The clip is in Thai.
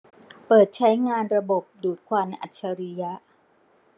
เปิดใช้งานระบบดูดควันอัจฉริยะ